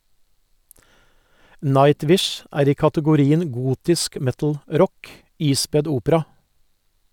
Nightwish er i kategorien gotisk metal-rock, ispedd opera.